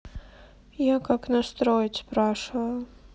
я как настроить спрашиваю